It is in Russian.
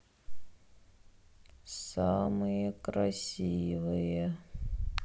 самые красивые